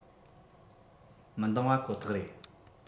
མི འདང བ ཁོ ཐག རེད